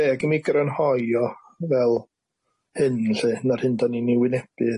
deg i mi grynhoi o fel hyn 'lly, na'r hyn 'dan ni'n 'i wynebu